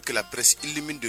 Kɛlɛ pperesili min don